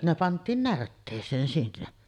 ne pantiin närtteeseen sinne